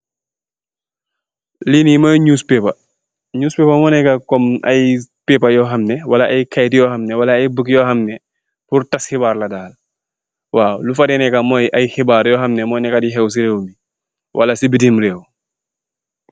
Lii amb kayitti kibarla